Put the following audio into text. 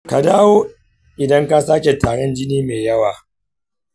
ka dawo idan ka sake tarin jini mai yawa.